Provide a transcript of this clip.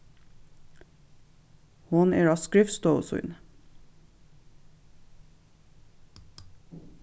hon er á skrivstovu síni